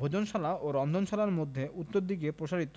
ভোজনশালা ও রন্ধনশালার মধ্যে উত্তরদিকে প্রসারিত